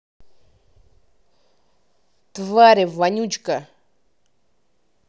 твари вонючка